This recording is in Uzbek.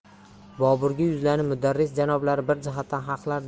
boburga yuzlanib mudarris janoblari bir jihatdan haqlar